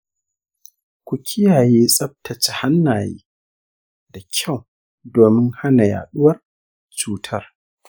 ku kiyaye tsaftace hannaye da kyau domin hana yaɗuwar cutar.